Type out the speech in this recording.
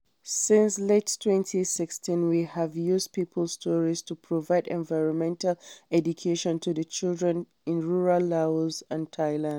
Since late 2016, we have used people’s stories to provide environmental education to children in rural Laos and Thailand.